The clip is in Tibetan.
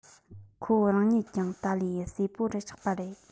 ཁོ བོ རང ཉིད ཀྱང ཏཱ ལའི ཡི སྲས པོ རུ ཆགས པ རེད